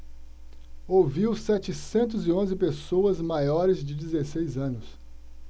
ouviu setecentos e onze pessoas maiores de dezesseis anos